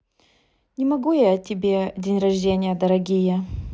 не могу я тебе день рождения дорогие